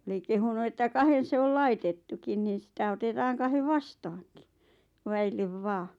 oli kehunut että kahden se oli laitettukin niin sitä otetaan kahden vastaankin väille vain